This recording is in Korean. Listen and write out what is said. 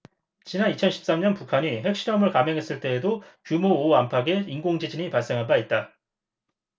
지난 이천 십 삼 년 북한이 핵실험을 감행했을 때에도 규모 오 안팎의 인공지진이 발생한 바 있다